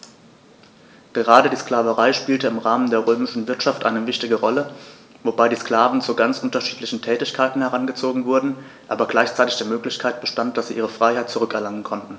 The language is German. Gerade die Sklaverei spielte im Rahmen der römischen Wirtschaft eine wichtige Rolle, wobei die Sklaven zu ganz unterschiedlichen Tätigkeiten herangezogen wurden, aber gleichzeitig die Möglichkeit bestand, dass sie ihre Freiheit zurück erlangen konnten.